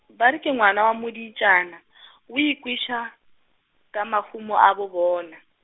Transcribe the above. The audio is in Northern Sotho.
ba re ke ngwana wa modiitšana , o ikweša, ka mahumo a bobona.